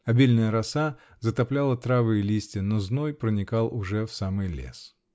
Обильная роса затопляла травы и листья, но зной проникал уже в самый лес.